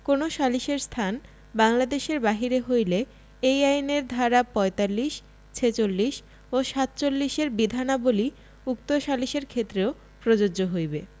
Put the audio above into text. কোন সালিসের স্থান বাংলঅদেশের বাহিরে হইলে এই আইনের ধারা ৪৫ ৪৬ ও ৪৭ এর বিধানাবলী উক্ত সালিসের ক্ষেত্রেও প্রযোজ্য হইবে